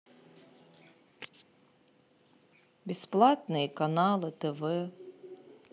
бесплатные каналы тв